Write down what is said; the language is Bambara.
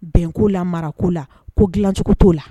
Bɛn' la mara' la ko dilanjugu t'o la